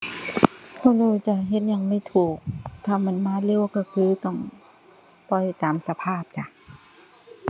บ่รู้จ้า เฮ็ดหยังไม่ถูก ถ้ามันมาเร็วก็คือต้องปล่อยตามสภาพจ้ะ